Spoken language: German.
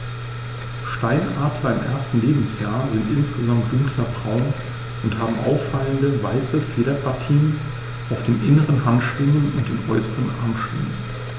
Steinadler im ersten Lebensjahr sind insgesamt dunkler braun und haben auffallende, weiße Federpartien auf den inneren Handschwingen und den äußeren Armschwingen.